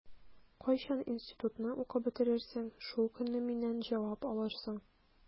Кайчан институтны укып бетерерсең, шул көнне миннән җавап алырсың.